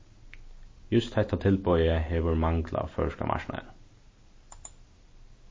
júst hetta tilboðið hevur manglað á føroyska marknaðinum